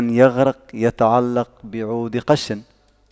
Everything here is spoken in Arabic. من يغرق يتعلق بعود قش